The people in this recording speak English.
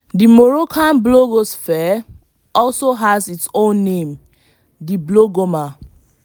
The Moroccan blogosphere also has its own name – the Blogoma.